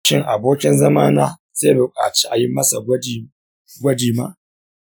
shin abokin zamana zai buƙaci a yi masa gwaji ma?